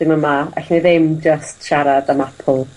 ddim yma, allai ddim jyst siarad am Apple